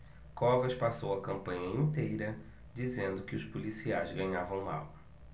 covas passou a campanha inteira dizendo que os policiais ganhavam mal